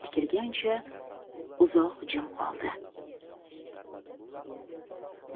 tikilgancha uzoq jim qoldi